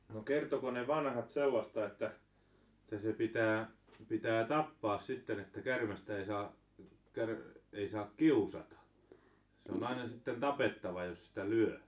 no kertoiko ne vanhat sellaista että se se pitää pitää tappaa sitten että käärmeestä ei saa - ei saa kiusata se on aina sitten tapettava jos sitä lyö